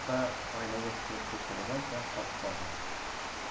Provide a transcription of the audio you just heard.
tikilib cho'kkalagancha qotib qoldi